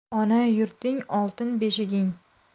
ona yurting oltin beshiging